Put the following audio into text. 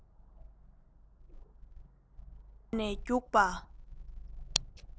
འགྲོ བ ནས རྒྱུག པ